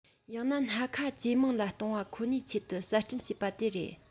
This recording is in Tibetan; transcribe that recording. ཡང ན སྣ ཁ ཇེ མང ལ གཏོང བ ཁོ ནའི ཆེད དུ གསར སྐྲུན བྱས པ དེ རེད